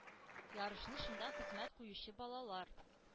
Ярышны шунда хезмәт куючы балалар